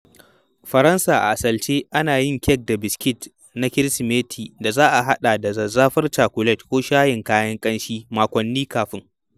Faransa - A Alsace ana yin kek da biskit na Kirsimeti da za a haɗa da zazafar cakulet ko shayin kayan ƙanshi makwanni kafin.